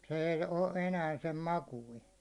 se ei ole enää sen makuinen